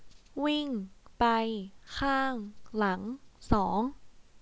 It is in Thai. วิ่งไปข้างหลังสอง